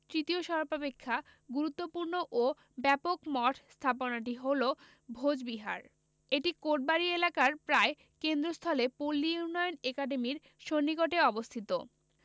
তৃতীয় সর্বাপেক্ষা গুরুত্বপূর্ণ ও ব্যাপক মঠ স্থাপনাটি হলো ভোজবিহার এটি কোটবাড়ি এলাকার প্রায় কেন্দ্রস্থলে পল্লী উন্নয়ন একাডেমীর সন্নিকটে অবস্থিত